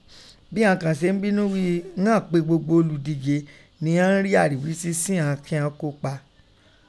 Bi ighọn kan ṣe n binu pe ghọn ko pe gbogbo oludije, ni ghọn n ri arighisi saghọn kíghọn kópa.